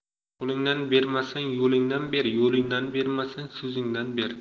qo'lingdan bermasang yo'lingdan ber yo'lingdan bermasang so'zingdan ber